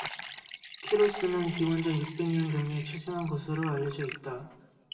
키루스는 기원전 육백 년경에 출생한 것으로 알려져 있다